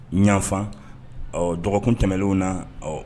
ɲan fan . Ɔɔ dɔgɔkun tɛmɛnlenw na, ɔ